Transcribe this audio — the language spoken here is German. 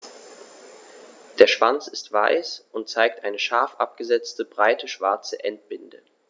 Der Schwanz ist weiß und zeigt eine scharf abgesetzte, breite schwarze Endbinde.